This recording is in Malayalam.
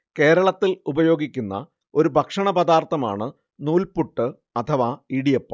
കേരളത്തിൽ ഉപയോഗിക്കുന്ന ഒരു ഭക്ഷണപദാർത്ഥമാണ് നൂൽപുട്ട് അഥവാ ഇടിയപ്പം